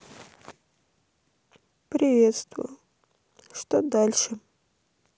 приветствую что дальше